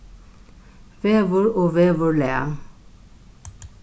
veður og veðurlag